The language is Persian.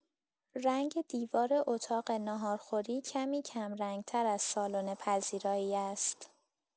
رنگ دیوار اتاق ناهارخوری کمی کم‌رنگ‌تر از سالن پذیرایی است.